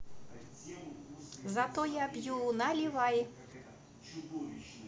зато я бью наливай